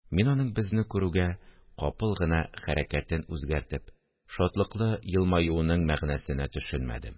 Мин аның безне күрүгә капыл гына хәрәкәтен үзгәртеп, шатлыклы елмаюының мәгънәсенә төшенмәдем